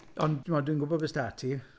Ond timod, dwi'n gwbod be sy 'da ti.